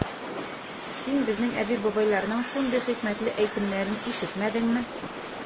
Син безнең әби-бабайларның шундый хикмәтле әйтемнәрен ишетмәдеңме?